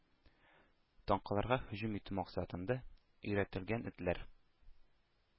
Танкларга һөҗүм итү максатында өйрәтелгән этләр